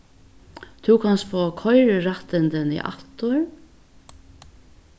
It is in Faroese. tú kanst fáa koyrirættindini aftur